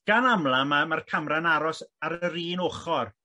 gan amla' ma' ma'r camra yn aros ar yr un ochr